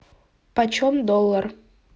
почем доллар